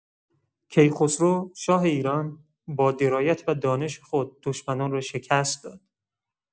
کیخسرو، شاه ایران، با درایت و دانش خود دشمنان را شکست داد.